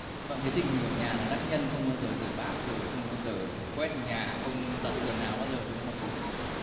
vâng thế tình hình ở nhà là đắc nhân không bao giờ rửa bát rồi không bao giờ quét nhà không giặt quần áo bao giờ đúng không hả chú